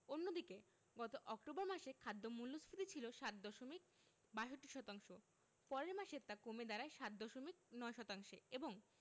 অন্যদিকে গত অক্টোবর মাসে খাদ্য মূল্যস্ফীতি ছিল ৭ দশমিক ৬২ শতাংশ পরের মাসে তা কমে দাঁড়ায় ৭ দশমিক ০৯ শতাংশে এবং